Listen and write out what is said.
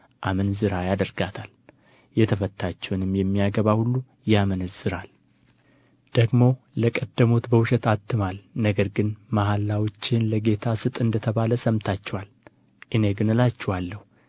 አመንዝራ ያደርጋታል የተፈታችውንም የሚያገባ ሁሉ ያመነዝራል ደግሞ ለቀደሙት በውሸት አትማል ነገር ግን መሐላዎችህን ለጌታ ስጥ እንደተባለ ሰምታችኋል እኔ ግን እላችኋለሁ